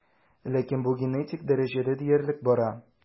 Ләкин бу генетик дәрәҗәдә диярлек бара.